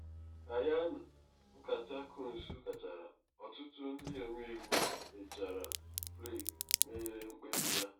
Ka yana nkata Coons gachara, ọtụtụ ndị ọmeiwu mechara, Flake mere mkpebi ya.